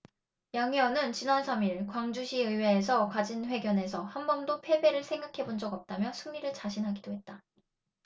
양 위원은 지난 삼 일 광주시의회에서 가진 회견에서 한번도 패배를 생각해 본 적 없다며 승리를 자신하기도 했다